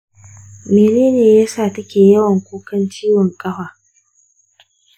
mene yasa take yawan kukan ciwon ƙafa?